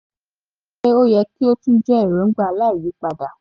Ṣé ó yẹ kí ó tún jẹ́ èròńgbà, aláyìípadà?